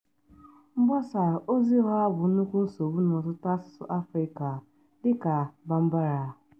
Mgbasa oziụgha bụ nnukwu nsogbu n'ọtụtụ asụsụ Africa dịka Bambara.